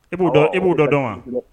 E b'o dɔn e b'u dɔn dɔn wa